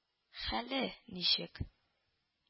Хәле ничек